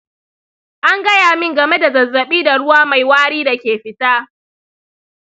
an gaya min game da zazzabi da ruwa mai wari da ke fita.